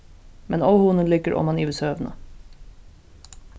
men óhugnin liggur oman yvir søguna